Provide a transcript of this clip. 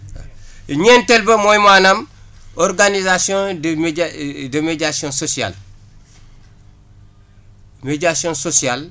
waaw ñeenteel ba mooy maanaam organisation des média et de médiation sociale médiation sociale